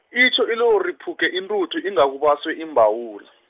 itjho ilori puke intuthu inga kubaswe imbawula.